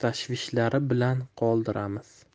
tashvishlari bilan qoldiramiz